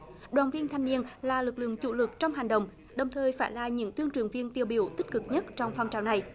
đoàn viên thanh niên là lực lượng chủ lực trong hành động đồng thời phải là những tuyên truyền viên tiêu biểu tích cực nhất trong phong trào này